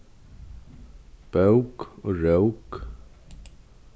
bók og rók